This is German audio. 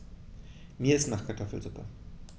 Mir ist nach Kartoffelsuppe.